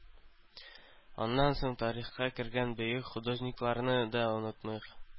Аннан соң тарихка кергән бөек художникларны да онытмыйк.